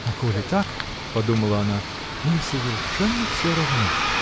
"А коли так, -- подумала она, -- мне совершенно все равно